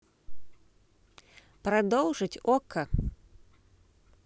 продолжить okko